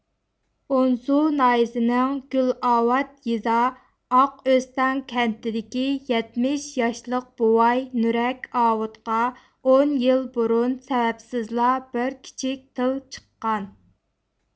ئونسۇ ناھىيىسىنىڭ گۈلئاۋات يېزا ئاقئۆستەڭ كەنتىدىكى يەتمىش ياشلىق بوۋاي نۇرەك ئاۋۇتقا ئون يىل بۇرۇن سەۋەبسىزلا بىر كىچىك تىل چىققان